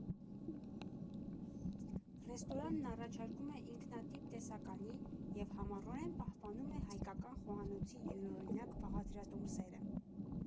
Ռեստորանն առաջարկում է ինքնատիպ տեսականի և համառորեն պահպանում է հայկական խոհանոցի յուրօրինակ բաղադրատոմսերը։